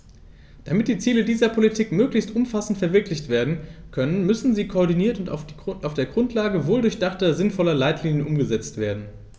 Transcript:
Damit die Ziele dieser Politiken möglichst umfassend verwirklicht werden können, müssen sie koordiniert und auf der Grundlage wohldurchdachter, sinnvoller Leitlinien umgesetzt werden.